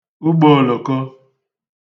ụgbọòloko